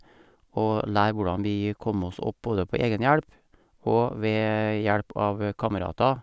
Og lære hvordan vi kom oss opp både på egen hjelp og ved hjelp av kamerater.